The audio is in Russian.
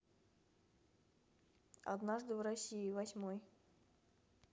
однажды в россии восьмой